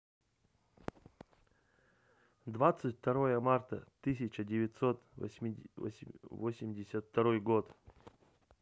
двадцать второе марта тысяча девятьсот восемьдесят второй год